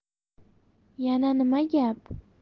yana nima gap